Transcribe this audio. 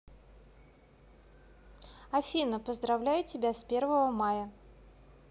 афина поздравляю тебя с первого мая